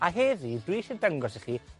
A heddi dwi isie dangos i chi